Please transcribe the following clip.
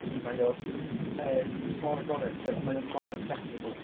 'di mae o yym mor agored ti'n gwybod, a mae o mor accessible.